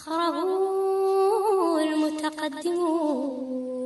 San mɔ